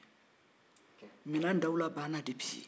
minɛn dawula banna depi yen